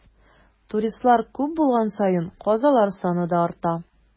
Туристлар күп булган саен, казалар саны да арта.